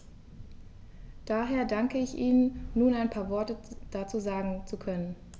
Daher danke ich Ihnen, nun ein paar Worte dazu sagen zu können.